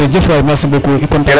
jerejef waay merci beaucoup i content